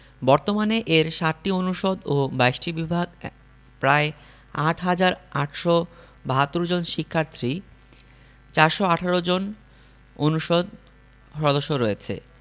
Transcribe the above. বর্তমানে এর ৭টি অনুষদ ও ২২টি বিভাগ প্রায় ৮ হাজার ৮৭২ জন শিক্ষার্থী ৪১৮ জন অনুষদ সদস্য রয়েছে